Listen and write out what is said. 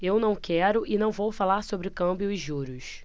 eu não quero e não vou falar sobre câmbio e juros